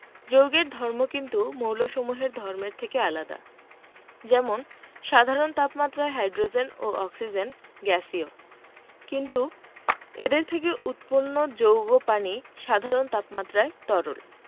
যৌগের ধর্ম কিন্তু মৌলসমূহের ধর্মের থেকে আলাদা যেমন সাধারণ তাপমাত্রায় হাইড্রোজেন ও অক্সিজেন গ্যাসীয় কিন্তু এদের থেকে উৎপন্ন যৌগ পানি সাধারণ তাপমাত্রায় তরল